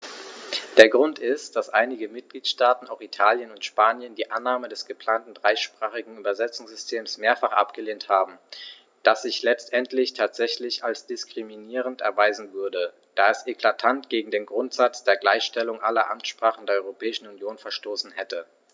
Der Grund ist, dass einige Mitgliedstaaten - auch Italien und Spanien - die Annahme des geplanten dreisprachigen Übersetzungssystems mehrfach abgelehnt haben, das sich letztendlich tatsächlich als diskriminierend erweisen würde, da es eklatant gegen den Grundsatz der Gleichstellung aller Amtssprachen der Europäischen Union verstoßen hätte.